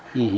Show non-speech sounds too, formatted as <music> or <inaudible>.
<hesitation> <hesitation>